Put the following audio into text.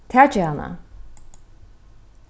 takið hana